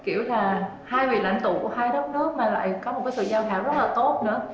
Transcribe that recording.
kiểu là hai vị lãnh tụ của hai đất nước mà lại có một cái sự giao cảm rất là tốt nữa